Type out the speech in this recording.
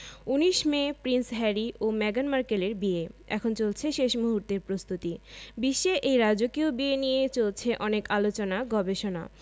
১৯ May prince Harry ও মেগান মার্কেলের বিয়ে এখন চলছে শেষ মুহূর্তের প্রস্তুতি বিশ্বে এই রাজকীয় বিয়ে নিয়ে চলছে অনেক আলোচনা গবেষণা